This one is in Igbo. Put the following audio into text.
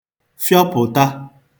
fọpụ̀ta